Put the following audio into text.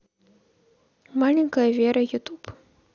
маленькая вера ютуб